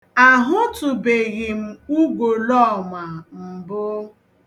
Ahụtụbeghị m ugolọọma mbụ.